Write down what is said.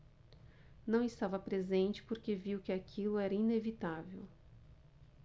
não estava presente porque viu que aquilo era inevitável